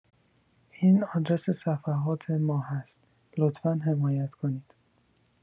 این آدرس صفحات ما هست، لطفا حمایت کنید